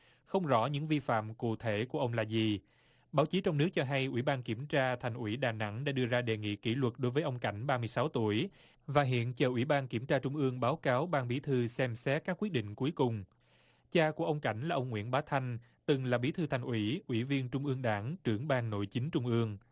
không rõ những vi phạm cụ thể của ông là gì báo chí trong nước cho hay ủy ban kiểm tra thành ủy đà nẵng đã đưa ra đề nghị kỷ luật đối với ông cảnh ba mươi sáu tuổi và hiện cho ủy ban kiểm tra trung ương báo cáo ban bí thư xem xét các quyết định cuối cùng cha của ông cảnh là ông nguyễn bá thanh từng là bí thư thành ủy ủy viên trung ương đảng trưởng ban nội chính trung ương